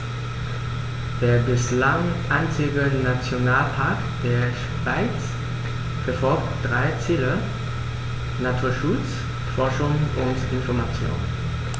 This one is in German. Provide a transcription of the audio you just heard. Der bislang einzige Nationalpark der Schweiz verfolgt drei Ziele: Naturschutz, Forschung und Information.